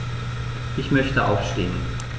Ich möchte aufstehen.